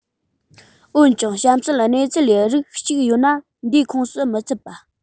འོན ཀྱང གཤམ གསལ གནས ཚུལ ལས རིགས གཅིག ཡོད ན འདིའི ཁོངས སུ མི ཚུད པ